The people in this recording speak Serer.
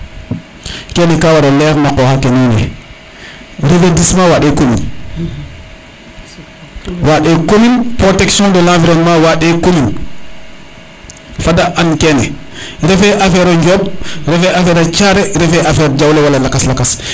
kene ka wara leer na qoxa ke wiin we reverdissement wande commune wande commune protection de l' environnement wande commune fada an kene refe affaire o Ndiob refe a affaire a Thiare refe affaire :far jawle wala lakas lakas